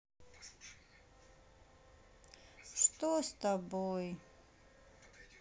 что с тобой